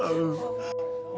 ừ ba